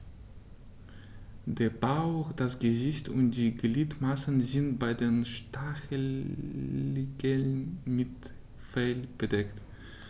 Der Bauch, das Gesicht und die Gliedmaßen sind bei den Stacheligeln mit Fell bedeckt.